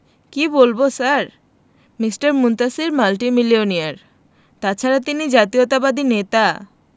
কি বলব sir Mr Muntasir multimillionaire তাছাড়া তিনি জাতীয়তাবাদী নেতা